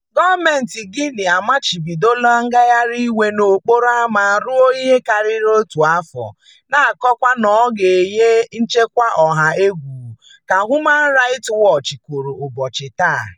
Gọọmentị Guinea amachibidoola ngagharị iwe n'okporo ámá ruo ihe karịrị otu afọ, na-akọwa na ọ na-eyi nchekwa ọha egwu, ka Human Rights Watch kwuru ụbọchị taa.